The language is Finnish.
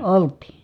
oltiin